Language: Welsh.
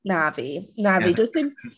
Na fi na fi... ie ...does dim...